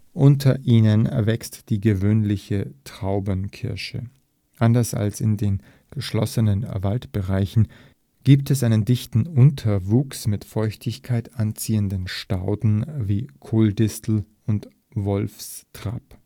Unter ihnen wächst die Gewöhnliche Traubenkirsche. Anders als in den geschlossenen Waldbereichen gibt es einen dichten Unterwuchs mit Feuchtigkeit anzeigenden Stauden wie Kohldistel und Wolfstrapp